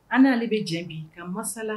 A nin ale be jɛ bi ka masala